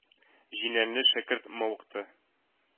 Җиләнле шәкерт мавыкты.